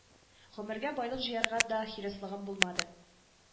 Гомергә байлык җыярга да хирыслыгым булмады